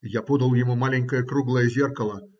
Я подал ему маленькое круглое зеркало